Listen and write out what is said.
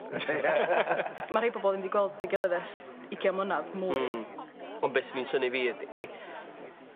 Ma' rei pobol dim 'di gweld 'i gilydd ers ugian mlynadd mwy. Mm ond be' sy'n 'i synnu fi ydi